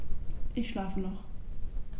Ich schlafe noch.